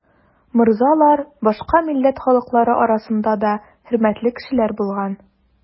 Морзалар башка милләт халыклары арасында да хөрмәтле кешеләр булган.